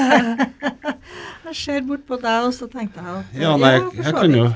jeg ser bort på deg og så tenkte jeg at ja for så vidt.